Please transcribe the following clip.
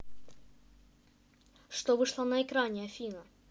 что вышло на экране афина